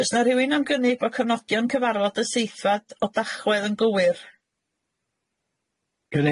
Oes 'na rywun am gynnig bo' cyfnodion cyfarfod y seithfed o Dachwedd yn gywir?